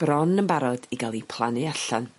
bron yn barod i ga'l 'u plannu allan.